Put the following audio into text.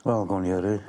Wel bo' ni yrru